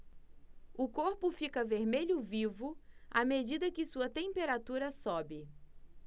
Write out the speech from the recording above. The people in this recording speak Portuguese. o corpo fica vermelho vivo à medida que sua temperatura sobe